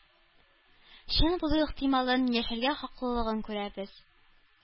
Чын булу ихтималын, яшәргә хаклылыгын күрәбез.